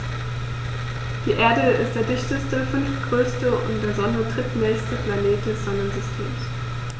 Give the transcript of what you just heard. Die Erde ist der dichteste, fünftgrößte und der Sonne drittnächste Planet des Sonnensystems.